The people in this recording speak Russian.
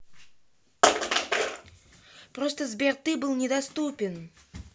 просто сбер ты был недоступен